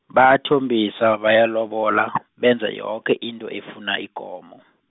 bayathombisa, bayalobola , benza yoke into, efuna ikomo.